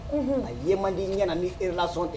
A ye man di ɲɛna ni relation tɛ.